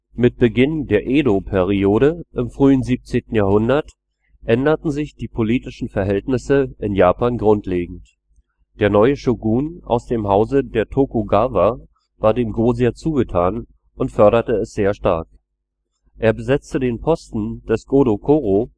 Mit Beginn der Edo-Periode im frühen 17. Jahrhundert änderten sich die politischen Verhältnisse in Japan grundlegend. Der neue Shōgun aus dem Hause der Tokugawa war dem Go sehr zugetan und förderte es sehr stark: Er besetzte den Posten des Godokoro